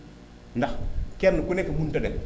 ndax kenn ku nekk mënta dem